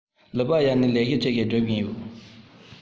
ལི པི ཡ ནས ལས གཞི ཅི ཞིག སྒྲུབ བཞིན ཡོད